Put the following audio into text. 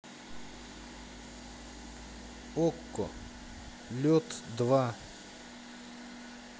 окко лед два